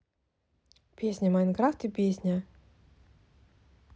песня майнкрафт и песня